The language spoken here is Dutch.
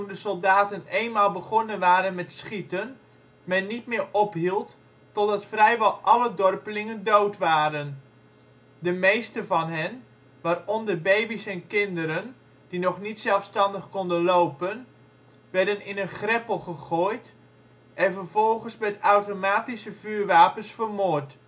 soldaten éénmaal begonnen waren met schieten men niet meer ophield totdat vrijwel alle dorpelingen dood waren. De meesten van hen - waaronder baby 's en kinderen die nog niet zelfstandig konden lopen - werden in een greppel gegooid en vervolgens met automatische vuurwapens vermoord